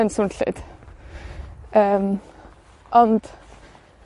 yn swnllyd, yym, ond,